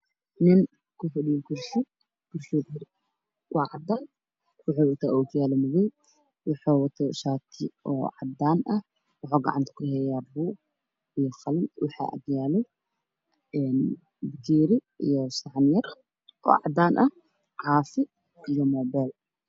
Nin ku fadhiyo kursi ga ninka waxa uu wataa tacdaan madow wuxuuna isticmaalayaa telefoon